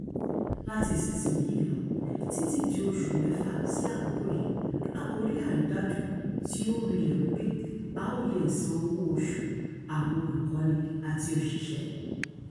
Láti ìsinsìnyí lọ títí di oṣù mẹ́fà sí àsìkò yìí, a kò rí àrídájú tí ó rinlẹ̀ wípé a ó leè san owó oṣù àwọn olùkọ́ni àti òṣìṣẹ́ẹ".